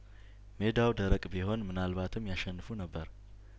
ሜዳው ደረቅ ቢሆን ምናልባትም ያሸንፉ ነበር